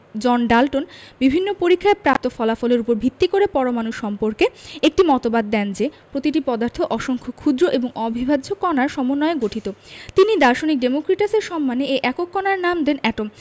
জন Dalton বিভিন্ন পরীক্ষায় প্রাপ্ত ফলাফলের উপর ভিত্তি করে পরমাণু সম্পর্কে একটি মতবাদ দেন যে প্রতিটি পদার্থ অজস্র ক্ষুদ্র এবং অবিভাজ্য কণার সমন্বয়ে গঠিত তিনি দার্শনিক ডেমোক্রিটাসের সম্মানে এ একক কণার নাম দেন এটম